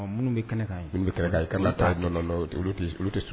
Minnu bɛ kana taa olu tɛ